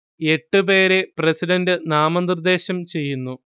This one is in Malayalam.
എട്ട് പേരെ പ്രസിഡന്റ് നാമനിർദ്ദേശം ചെയ്യുന്നു